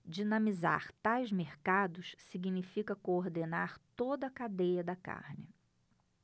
dinamizar tais mercados significa coordenar toda a cadeia da carne